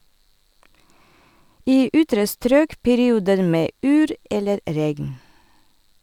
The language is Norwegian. I ytre strøk perioder med yr eller regn.